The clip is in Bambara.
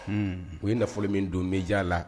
Unhun, u ye nafolo min don media _ la.